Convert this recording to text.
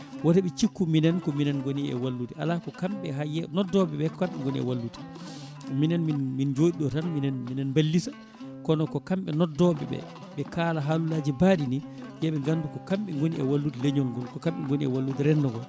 wootoɓe cikku minen ko minen gooni e wallude ala ko kamɓe hayi noddoɓeɓe ko kamɓe gooni e wallude minen min jooɗiɗo tan minen minen ballita kono ko kamɓe noddoɓeɓe ɓe kaala haalullaji mbaɗi ni yooɓe gandu ko kamɓe gooni e wallude leeñol ngol ko kamɓe gooni e wallude rendo ngo